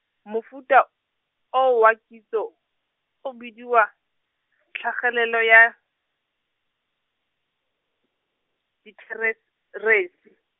mofuta, o wa kitso, o bidiwa, tlhagelelo ya, litheret- -resi.